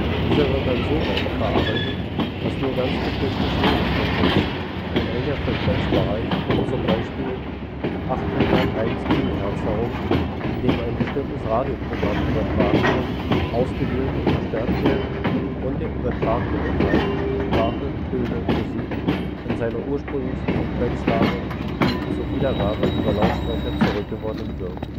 Dieser wird dann so weiterverarbeitet, dass nur ganz bestimmte Schwingungsfrequenzen – ein enger Frequenzbereich um z. B. 801 kHz herum, in dem ein bestimmtes Radioprogramm übertragen wird – ausgewählt und verstärkt werden und der übertragene Inhalt – Sprache, Töne, Musik – in seiner ursprünglichen Frequenzlage zur Wiedergabe über Lautsprecher zurückgewonnen wird